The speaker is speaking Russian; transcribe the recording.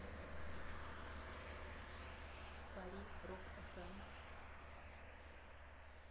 пари рок эф эм